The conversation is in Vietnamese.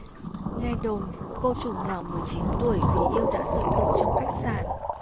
nghe đồn cô chủ nhỏ mười chín tuổi vì yêu đã tự tử trong khách sạn